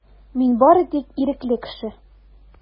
Мин бары тик ирекле кеше.